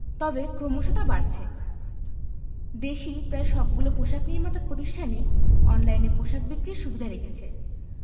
তবে ক্রমশ তা বাড়ছে দেশি প্রায় সবগুলো পোশাক নির্মাতা প্রতিষ্ঠানই অনলাইনে পোশাক বিক্রির সুবিধা রেখেছে